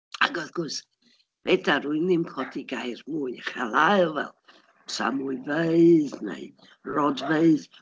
Ac wrth gwrs fedar rywun ddim codi gair mwy uchel ael fel tramwyfeydd neu rodfeydd.